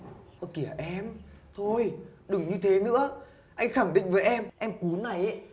ơ kìa em thôi đừng như thế nữa anh khẳng định với em là em cún này